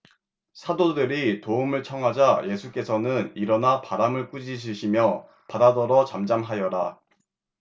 사도들이 도움을 청하자 예수께서는 일어나 바람을 꾸짖으시며 바다더러 잠잠하여라